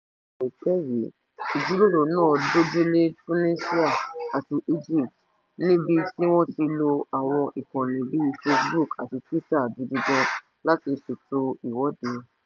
Ní àìpẹ́ yìí, ìjíròrò náà dójú lé Tunisia àti Egypt, níbi tí wọ́n ti lo àwọn ìkànnì bíi Facebook àti Twitter gidi gan láti ṣètò ìwọ́de.